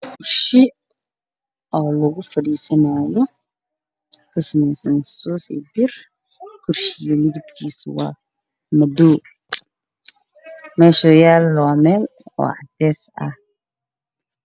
Waa kursi yahay madow oo ah kursi lagu fadhiisanayo waana kuraasta xafiisyada la dhigto